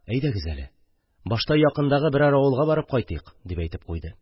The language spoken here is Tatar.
– әйдәгез әле, башта якындагы берәр авылга барып кайтыйк, – дип әйтеп куйды.